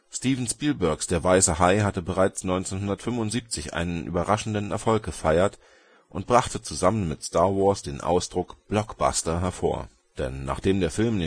Steven Spielbergs Der weiße Hai hatte bereits 1975 einen überraschenden Erfolg gefeiert und brachte zusammen mit Star Wars den Ausdruck „ Blockbuster “hervor. Denn nachdem der Film